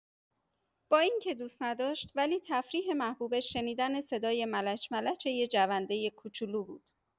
با اینکه دوست نداشت، ولی تفریح محبوبش شنیدن صدای ملچ‌ملچ یه جونده کوچولو بود.